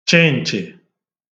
chịǹchị̀